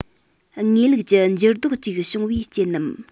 དངོས ལུགས ཀྱི འགྱུར ལྡོག ཅིག བྱུང བའི རྐྱེན ནམ